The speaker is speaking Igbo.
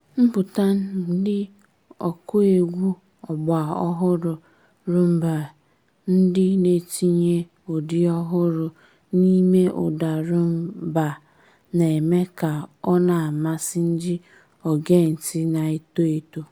Mpụta ndị ọkụegwú ọgbọ ọhụrụ Rhumba ndị na-etinye ụdị ọhụrụ n'ime ụda Rhumba na-eme ka ọ na-amasị ndị ogentị na-eto eto.